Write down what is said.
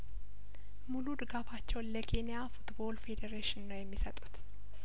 ሙሉ ድጋፋቸውን ለኬንያ ፉትቦል ፌዴሬሽን ነው የሚሰጡት